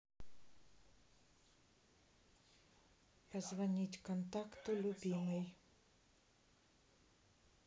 позвонить контакту любимый